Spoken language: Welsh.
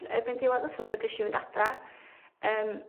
erbyn diwedd wsos tho gesh i fynd adra yym...